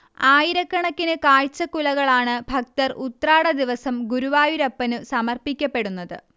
ആയിരക്കണക്കിന് കാഴ്ചകുലകളാണ് ഭക്തർ ഉത്രാടദിവസം ഗുരുവായൂരപ്പനു സമർപ്പിക്കപെടുന്നത്